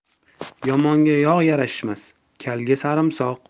yomonga yog' yarashmas kalga sarimsoq